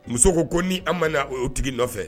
Muso ko ko ni an ma o' tigi nɔfɛ